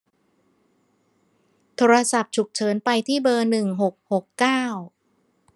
โทรศัพท์ฉุกเฉินไปที่เบอร์หนึ่งหกหกเก้า